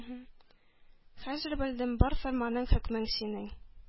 Хәзер белдем, бар фәрманың, хөкмең синең